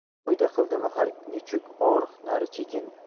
shu foyda qildimi har nechuk og'riq nari chekindi